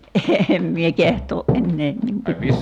en minä kehtaa enää niin paljon